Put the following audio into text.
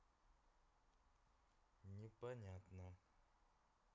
непонятно